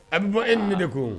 A bɛ bɔ e ni ne de kun o.